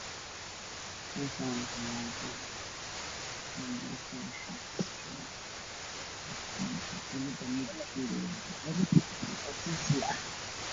Meeshaan waxa iiga muuqda katiin midabkiisu yahay dahabi oo saaran caagad cadaan ah